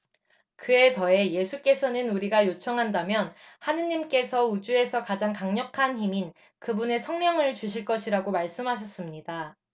그에 더해 예수께서는 우리가 요청한다면 하느님께서 우주에서 가장 강력한 힘인 그분의 성령을 주실 것이라고 말씀하셨습니다